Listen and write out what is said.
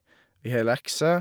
Vi har lekser.